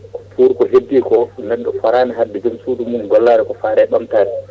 pour que heddi ko neɗɗo fatani hadde joom suudu mum gollade ko faate ɓamtare